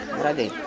rajo yi